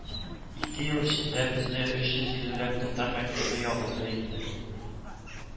Ике ел эчендә бездә өч йөз иллеләп татар мәктәбе ябылды инде